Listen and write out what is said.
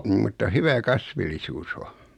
niin mutta hyvä kasvillisuus on